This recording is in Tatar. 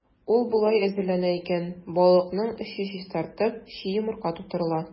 Ул болай әзерләнә икән: балыкның эчен чистартып, чи йомырка тутырыла.